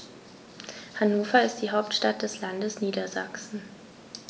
Hannover ist die Hauptstadt des Landes Niedersachsen.